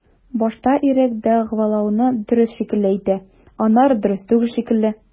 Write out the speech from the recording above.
Башта ирек дәгъвалауны дөрес шикелле әйтә, аннары дөрес түгел шикелле.